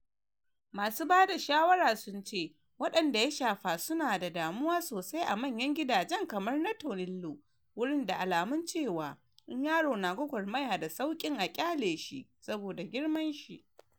Masu bada shawara sun ce waɗanda ya shafa su na damuwa sosai a manya gidajen kamar na Tornillo, wurin da alamun cewa in yaro na gwagwarmaya da sauƙin a kyale shi, saboda girman shi.